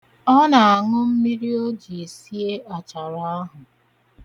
Ọ na-aṅụ mmiri oji sie achara ahụ.